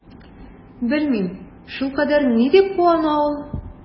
Белмим, шулкадәр ни дип куана ул?